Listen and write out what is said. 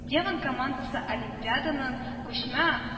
Девон командасы олимпиаданың күчмә